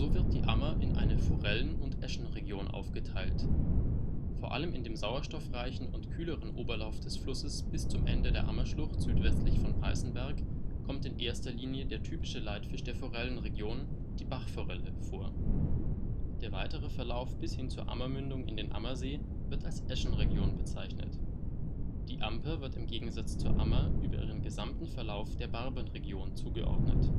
wird die Ammer in eine Forellen - und Äschenregion aufgeteilt. Vor allem in dem sauerstoffreichen und kühleren Oberlauf des Flusses bis zum Ende der Ammerschlucht südwestlich von Peißenberg kommt in erster Linie der typische Leitfisch der Forellenregion, die Bachforelle vor. Der weitere Verlauf bis hin zur Ammermündung in den Ammersee wird als Äschenregion bezeichnet. Die Amper wird im Gegensatz zur Ammer über ihren gesamten Verlauf der Barbenregion zugeordnet